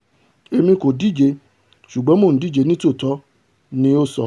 Emi ko díje, ṣùgbọn Mo ń díje nítòótọ́,'' ni ó sọ.